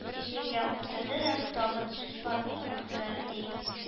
Җиргә утырды да тагын сүз батынлады, ди: